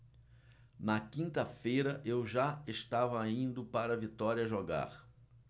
na quinta-feira eu já estava indo para vitória jogar